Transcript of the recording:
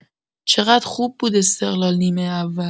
چقد خوب بود استقلال نیمه اول!